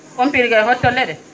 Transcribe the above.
pompirgal hottolle ?e